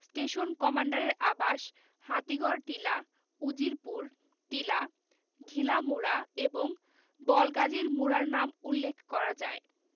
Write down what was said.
station কমান্ডারের আবাস হাতিগড় টিলা উজিরপুর টিলা ঘিলা মুড়া এবং বলগাজীর মুড়ার নাম উল্লেখ করা যায়